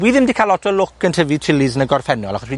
wi ddim 'di ca'l ot o lwc yn tyfu chilis yn y gorffennol, achos wi